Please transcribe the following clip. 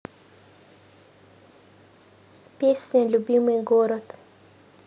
песня любимый город